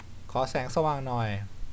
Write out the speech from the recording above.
ขอแสงสว่างหน่อย